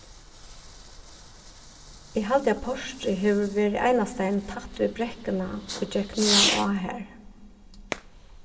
eg haldi at portrið hevur verið einastaðni tætt við brekkuna ið gekk niðaná har